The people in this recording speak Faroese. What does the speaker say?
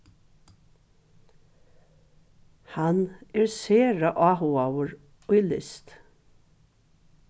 hann er sera áhugaður í list